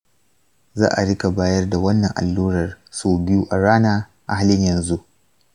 za a riƙa bayar da wannan allurar sau biyu a rana a halin yanzu.